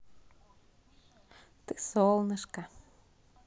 ты солнышко